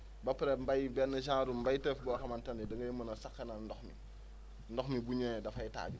ba pare mbéy benn genre mbéyteef boo xamante ni da ngay mën a sakkanal ndox mi ndox mi bu ñëwee dafay taaju